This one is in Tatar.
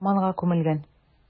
Урманга күмелгән.